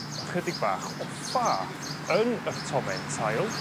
ychydig bach o ffa yn 'ych tomen tail